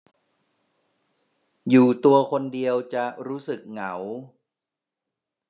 อยู่ตัวคนเดียวจะรู้สึกเหงา